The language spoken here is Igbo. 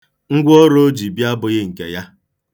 Ngwaọrụ o ji bịa abụghị nke ya.